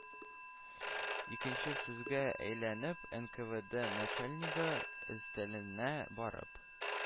Икенче сүзгә әйләнеп нквд начальнигы өстәленә барып